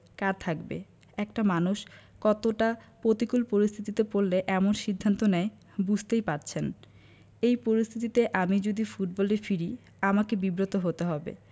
কার থাকবে একটা মানুষ কতটা পতিকূল পরিস্থিতিতে পড়লে এমন সিদ্ধান্ত নেয় বুঝতেই পারছেন এই পরিস্থিতিতে আমি যদি ফুটবলে ফিরি আমাকে বিব্রত হতে হবে